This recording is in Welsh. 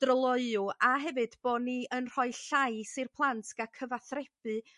dryloyw a hefyd bo' ni yn rhoi llais i'r plant ga'l cyfathrebu